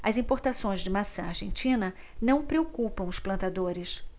as importações de maçã argentina não preocupam os plantadores